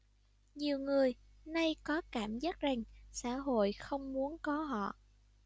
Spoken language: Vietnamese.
nhiều người nay có cảm giác rằng xã hội không muốn có họ